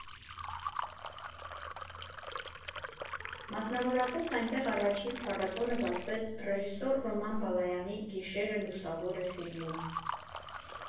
Մասնավորապես, այնտեղ առաջին փառատոնը բացվեց ռեժիսոր Ռոման Բալայանի «Գիշերը լուսավոր է» ֆիլմով։